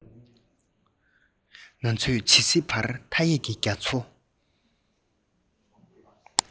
ང ཚོས ཇི སྲིད བར མཐའ ཡས ཀྱི རྒྱ མཚོ